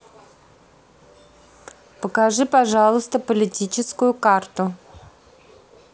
покажи пожалуйста политическую карту